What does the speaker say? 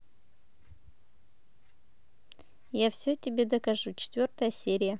я все тебе докажу четвертая серия